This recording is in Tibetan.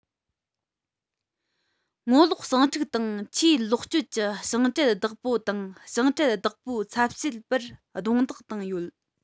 ངོ ལོག ཟིང འཁྲུག དང ཆེས ལོག སྤྱོད ཀྱི ཞིང བྲན བདག པོ དང ཞིང བྲན བདག པོའི ཚབ བྱེད པར རྡུང རྡེག བཏང ཡོད